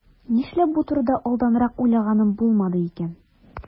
Нишләп бу турыда алданрак уйлаганым булмады икән?